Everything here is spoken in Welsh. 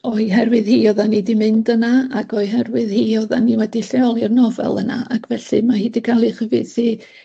o'i herwydd hi oddan ni 'di mynd yna, ac o'i herwydd hi oddan ni wedi lleoli'r nofel yna, ac felly ma' hi 'di ga'l 'i chyfieithu